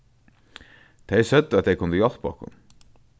tey søgdu at tey kundu hjálpa okkum